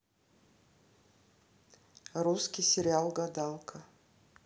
русский сериал гадалка